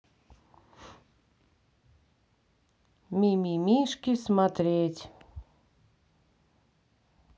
мимимишки смотреть